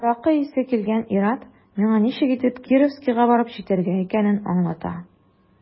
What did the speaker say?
Аракы исе килгән ир-ат миңа ничек итеп Кировскига барып җитәргә икәнен аңлата.